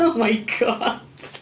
Oh my god.